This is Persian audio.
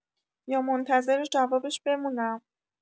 یا منتظر جوابش بمونم؟